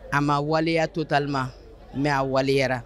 A ma waleya totelement, mais a waliyara.